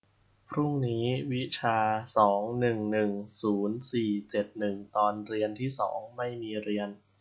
พรุ่งนี้วิชาสองหนึ่งหนึ่งศูนย์สี่เจ็ดหนึ่งตอนเรียนที่สองไม่มีเรียน